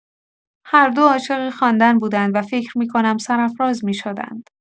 هر دو عاشق خواندن بودند و فکر می‌کنم سرافراز می‌شدند.